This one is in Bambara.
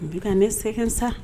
Bi ka ne sɛgɛn sa